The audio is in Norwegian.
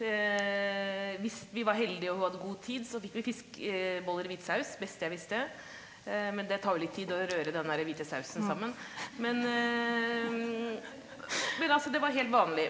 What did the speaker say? hvis vi var heldig og hun hadde god tid så fikk vi fiskeboller i hvit saus, beste jeg visste, men det tar jo litt tid å røre den derre hvite sausen sammen, men men altså det var helt vanlig.